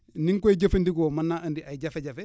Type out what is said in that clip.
ni nga koy jëfandikoo mën naa indi ay jafe-jafe